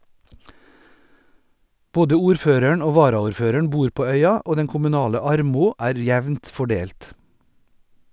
Både ordføreren og varaordføreren bor på øya, og den kommunale armod er jevnt fordelt.